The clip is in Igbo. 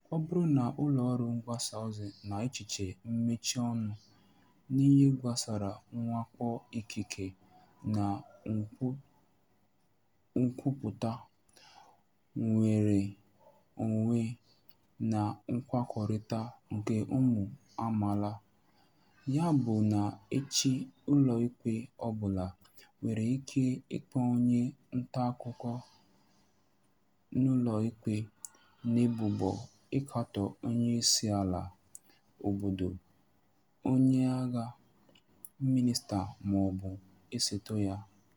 Ọ bụrụ na ụlọọrụ mgbasaozi na echiche mechie ọnụ n'ihe gbasara mwakpo ikike na nkwupụta nnwereonwe na mkpakọrịta nke ụmụ amaala, ya bụ na echi ụlọikpe ọbụla nwere ike ịkpọ onye ntaakụkọ n'ụlọikpe n'ebubo ịkatọ onyeisiala obodo, onyeagha, mịnịsta maọbụ osote ya.